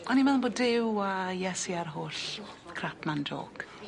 O'n i'n meddwl bod Duw a Iesu a'r holl crap ma'n jôc.